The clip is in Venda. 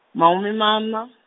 mahumimaṋa.